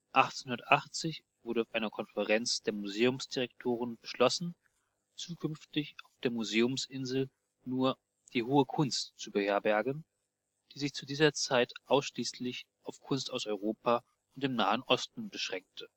1880 wurde auf einer Konferenz der Museumsdirektoren beschlossen, zukünftig auf der Museumsinsel nur die hohe Kunst zu beherbergen, die sich zu dieser Zeit ausschließlich auf Kunst aus Europa und dem nahen Osten beschränkte